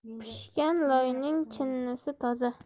pishgan loyning chinnisi toza